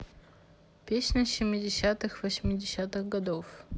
песни семидесятых восьмидесятых годов